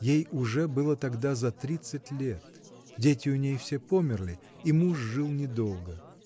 Ей уже было тогда за тридцать лет, дети у ней все померли, и муж жил недолго.